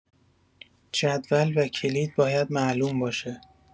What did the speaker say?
جدول و کلید باید معلوم باشه.